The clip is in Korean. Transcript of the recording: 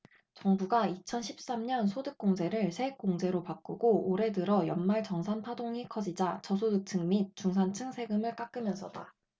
정부가 이천 십 삼 년 소득공제를 세액공제로 바꾸고 올해 들어 연말정산 파동이 커지자 저소득층 및 중산층 세금을 깎으면서다